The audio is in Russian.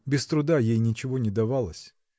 без труда ей ничего не давалось.